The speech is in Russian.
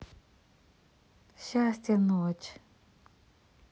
счастья ночь